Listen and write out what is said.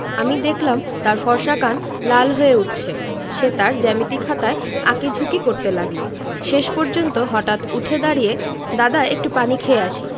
আমি দেখলাম তার ফর্সা কান লাল হয়ে উঠছে সে তার জ্যামিতি খাতায় আঁকি ঝুকি করতে লাগলো শেষ পর্যন্ত হঠাৎ উঠে দাড়িয়ে দাদা একটু পানি খেয়ে আসি